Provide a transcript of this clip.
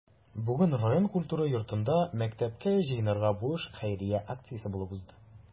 Бүген район культура йортында “Мәктәпкә җыенырга булыш” хәйрия акциясе булып узды.